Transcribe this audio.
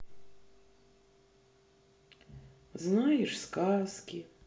знаешь сказки